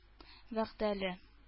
Вәгъдәле